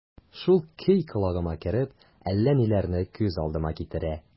Шул көй колагыма кереп, әллә ниләрне күз алдыма китерә...